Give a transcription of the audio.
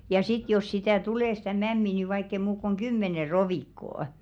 ja sitten jos sitä tulee sitä mämmiä niin vaikka ei muuta kuin kymmenen rovikkoa